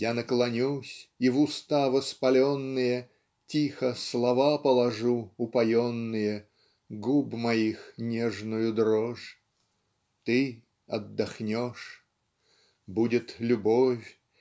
Я наклонюсь и в уста воспаленные Тихо слова положу упоенные Губ моих нежную дрожь. Ты отдохнешь. Будет любовь.